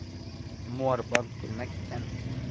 Муар бант-күбәләктән